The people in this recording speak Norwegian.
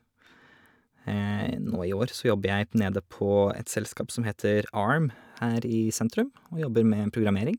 Nå i år så jobber jeg p nede på et selskap som heter Arm, her i sentrum og jobber med programmering.